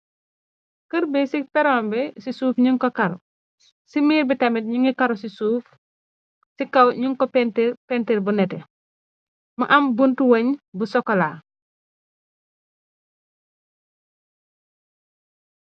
Kërbi ci perombe ci suuf ñun ko karu. Ci miir bi tamit ñu ngi karu ci suuf ci kaw ñun ko pentir bu nete. Mu am buntu weñ bu sokolaa.